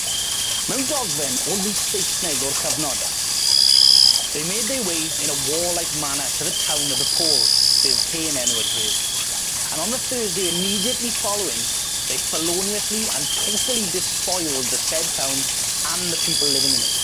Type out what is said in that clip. Mewn dogfen o lys Saesneg o'r cyfnod they made their way in a warlike manner to the town of the Pole, sef hen enw y dref an' on the Thursday immediately following they feloniously and totally despoiled the said town and the people living in it.